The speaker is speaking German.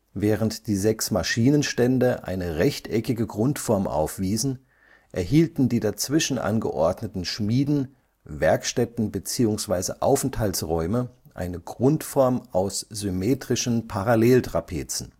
Während die sechs Maschinenstände eine rechteckige Grundform aufwiesen, erhielten die dazwischen angeordneten Schmieden, Werkstätten bzw. Aufenthaltsräume eine Grundform aus symmetrischen Paralleltrapezen